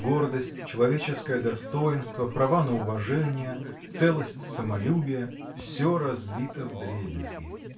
Гордость, человеческое достоинство, права на уважение, целость самолюбия — всё разбито вдребезги!